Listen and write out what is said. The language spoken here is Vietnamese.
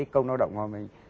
công lao động của họ mình